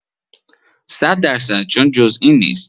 صد در صد چون جز این نیست